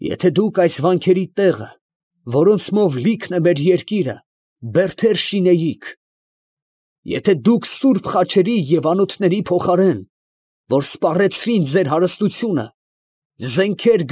Եթե դուք այս վանքերի տեղը, որոնցմով լիքն է մեր երկիրը, բերդեր շինեիք. ֊ եթե դուք սուրբ խաչերի և անոթների փոխարեն, որ սպառեցրին ձեր հարստությունը, զենքեր։